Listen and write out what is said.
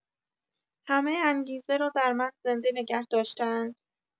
همه انگیزه را در من زنده نگه داشته‌اند.